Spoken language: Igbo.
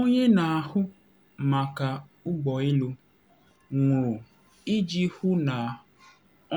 Onye Na Ahụ Maka Ụgbọ Elu Nwụrụ Iji Hụ Na